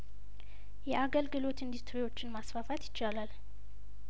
የአገልግሎት ኢንዱስትሪዎችን ማስፋፋት ይቻላል